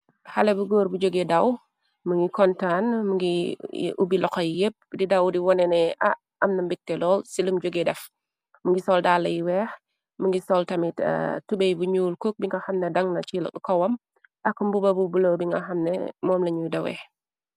Xale bu góor bu joge daw mu ngi kontaan. Mu ngi ubbi loxoy yépp di daw di wonene amna mbikte lool ci lum joge def. Mu ngi sol dalayi weex mu ngi soltamit tubey bu ñuul cook. Bi nga xamne dangna ci kowam ak mbuba bu blo. Bi nga xamne moom lañuy dawee.